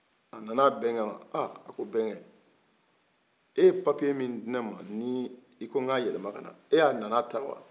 a nan'a bɛnkɛ ma a ko aa bɛnkɛ e ye papiye min dinema ni i ko k'a yɛlɛma e nan'a ta wa